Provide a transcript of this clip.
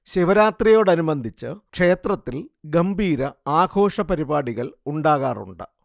ശിവരാത്രിയോടനുബന്ധിച്ച് ക്ഷേത്രത്തിൽ ഗംഭീര ആഘോഷപരിപാടികൾ ഉണ്ടാകാറുണ്ട്